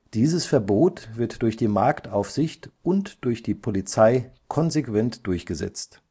Dieses Verbot wird durch die Marktaufsicht und durch die Polizei konsequent durchgesetzt